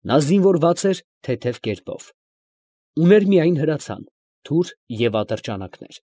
Նա զինվորված էր թեթև կերպով. ուներ միայն հրացան, թուր և ատրճանակներ։